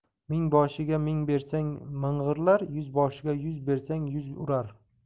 mingboshiga ming bersang ming'irlar yuzboshiga yuz bersang yuz urar